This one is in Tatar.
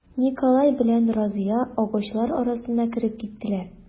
Николай белән Разия агачлар арасына кереп китәләр.